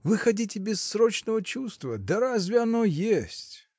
Вы хотите бессрочного чувства? Да разве оно есть?